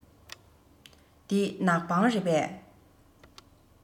འདི ནག པང རེད པས